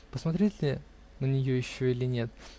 "Посмотреть ли на нее еще или нет?.